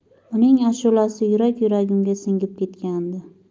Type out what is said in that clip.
uning ashulasi yurak yuragimga singib ketgandi